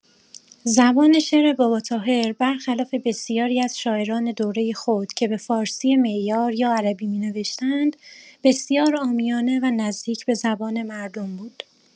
زبان شعر باباطاهر برخلاف بسیاری از شاعران دوره خود که به فارسی معیار یا عربی می‌نوشتند، بسیار عامیانه و نزدیک به زبان مردم بود.